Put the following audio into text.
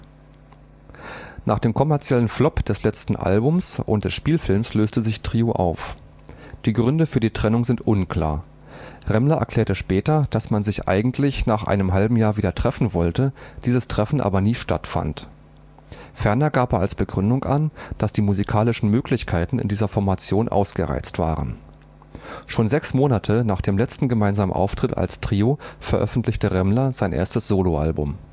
kommerziellen Flop des letzten Albums und des Spielfilms löste sich Trio auf. Die Gründe für die Trennung sind unklar. Remmler erklärte später, dass man sich eigentlich nach einem halben Jahr wieder treffen wollte, dieses Treffen aber nie stattfand. Ferner gab er als Begründung an, dass die musikalischen Möglichkeiten in dieser Formation ausgereizt waren. Schon sechs Monate nach dem letzten gemeinsamen Auftritt als Trio veröffentlichte Remmler sein erstes Soloalbum